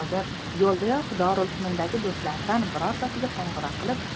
hozir yo'ldayoq dorilfunundagi do'stlardan birontasiga qo'ng'iroq qilib